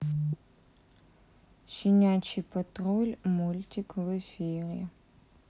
щенячий патруль мультик в эфире